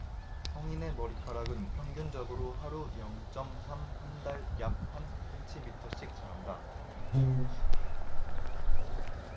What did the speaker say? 성인의 머리카락은 평균적으로 하루 영 쩜 삼 한 달 약 한 센티미터씩 자란다